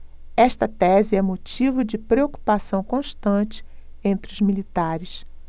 esta tese é motivo de preocupação constante entre os militares